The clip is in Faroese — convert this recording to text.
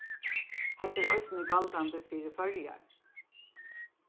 hetta er eisini galdandi fyri føroyar